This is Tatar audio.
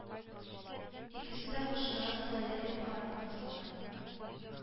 Икесе дә машина астына эләгеп харап булдылар